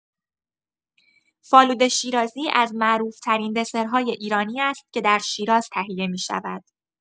فالوده شیرازی از معروف‌ترین دسرهای ایرانی است که در شیراز تهیه می‌شود.